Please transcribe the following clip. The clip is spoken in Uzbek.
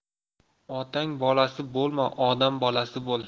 otang bolasi bo'lma odam bolasi bo'l